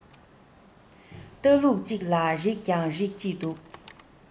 ལྟ ལུགས གཅིག ལ རིགས ཀྱང རིགས གཅིག འདུག